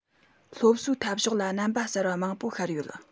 སློབ གསོའི འཐབ ཕྱོགས ལ རྣམ པ གསར པ མང པོ ཤར ཡོད